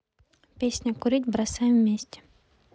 песня курить бросаем вместе